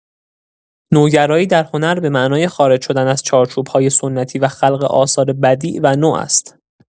نوگرایی در هنر به معنای خارج شدن از چارچوب‌های سنتی و خلق آثار بدیع و نو است.